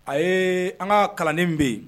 A ye an ka kalanlen bɛ yen